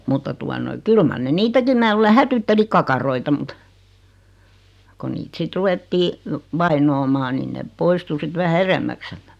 mutta tuota noin kyllä mar ne niitäkin minä luulen hätyytteli kakaroita mutta kun niitä sitten ruvettiin vainoamaan niin ne poistui sitten vähän edemmäksi sieltä